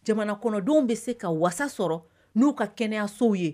Jamana kɔnɔdenw bɛ se ka walasa sɔrɔ n'u ka kɛnɛyasow ye